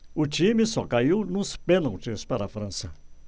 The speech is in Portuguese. o time só caiu nos pênaltis para a frança